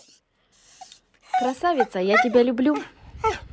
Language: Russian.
красавица я тебя люблю